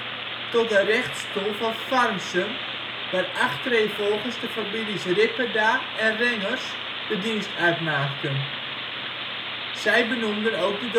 tot de rechtstoel van Farmsum, waar achtereenvolgens de families Ripperda en Rengers de dienst uitmaakten. Zij benoemden ook de